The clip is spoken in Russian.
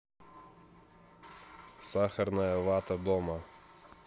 сахарная вата дома